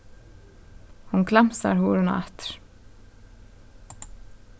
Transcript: hon klamsar hurðina aftur